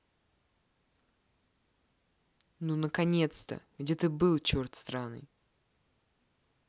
ну наконец то где ты был черт сраный